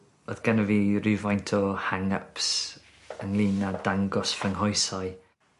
Odd genno fi rywfaint o hang ups ynglŷn â dangos fy nghoesau.